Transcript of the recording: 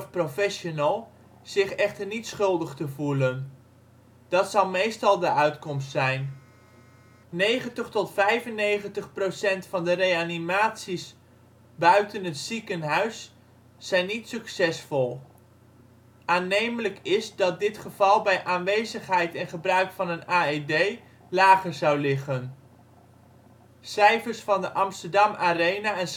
professional) zich echter niet schuldig te voelen; dat zal meestal de uitkomst zijn. 90 tot 95 % van de reanimaties buiten het ziekenhuis zijn niet succesvol. Aannemelijk is, dat dit getal bij aanwezigheid en gebruik van een AED lager zou liggen. Cijfers van de Amsterdam Arena en